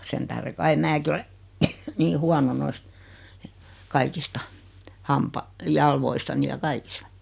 sen tähden kai minäkin olen niin huono noista kaikista - jaloistani ja kaikista